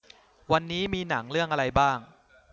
วันนี้มีหนังเรื่องอะไรบ้าง